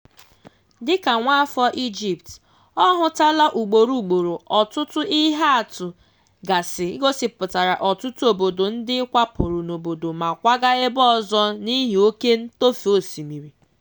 Dịka nwaafọ Ijipt, ọ hụtala ugboro ugboro, ọtụtụ iheatụ gasị gosipụtara ọtụtụ obodo ndị kwapụrụ n'obodo ma kwaga ebe ọzọ n'ihi oke ntofe osimiri.